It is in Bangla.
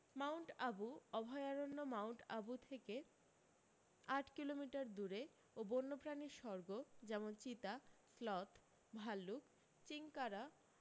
মাউন্ট আবু অভয়ারন্য মাউন্ট আবু থেকে আট কিলোমিটার দূরে ও বন্য প্রাণীর সর্গ যেমন চিতা স্লথ ভালুক চিংকারা